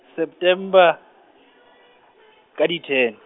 September, ka di ten.